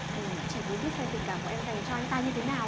chỉ muốn biết xem tình cảm của em dành cho anh ta như thế nào